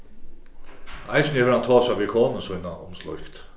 eisini hevur hann tosað við konu sína um slíkt